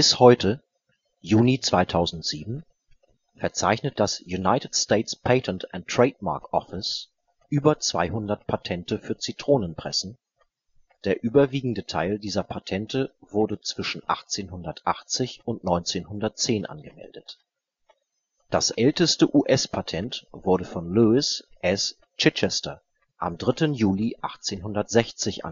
heute (Juni 2007) verzeichnet das United States Patent and Trademark Office über 200 Patente für Zitronenpressen, der überwiegende Teil dieser Patente wurde zwischen 1880 und 1910 angemeldet. Das älteste US-Patent wurde von Lewis S. Chichester am 3. Juli 1860